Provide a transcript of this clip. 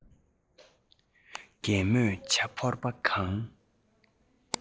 རྒད མོས ཇ ཕོར པ གང